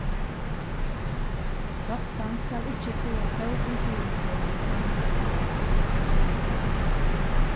rottan skal ikki fáa fótin fyri seg í sandoynni eisini